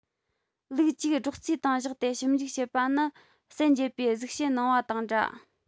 ལུག ཅིག སྒྲོག རྩེའི སྟེང བཞག སྟེ ཞིབ འཇུག བྱེད པ ནི གསལ འབྱེད པས གཟིགས དཔྱད གནང བ དང འདྲ